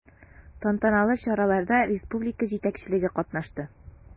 Тантаналы чараларда республика җитәкчелеге катнашты.